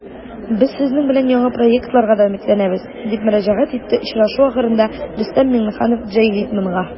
Без сезнең белән яңа проектларга да өметләнәбез, - дип мөрәҗәгать итте очрашу ахырында Рөстәм Миңнеханов Джей Литманга.